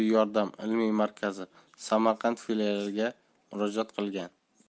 yordam ilmiy markazi samarqand filialiga murojaat qilgan